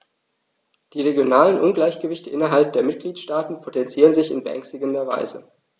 Die regionalen Ungleichgewichte innerhalb der Mitgliedstaaten potenzieren sich in beängstigender Weise.